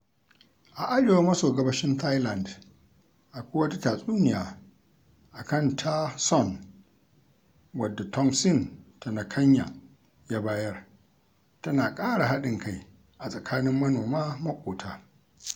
A arewa maso gabashin Thailand, akwai wata tatsuniya a kan Ta Sorn wadda Tongsin Tanakanya ya bayar, tana ƙara haɗin kai a tsakanin manoma maƙota.